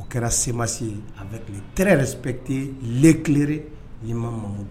O kɛra 6 mars avec le très respecté, l'éclairé l'imam Mamud